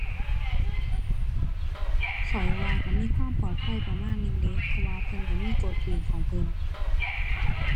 ข้อยว่าก็มีความปลอดภัยประมาณหนึ่งเดะ เพราะว่าเพิ่นก็มีกฎเกณฑ์ของเพิ่น